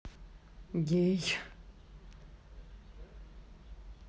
геи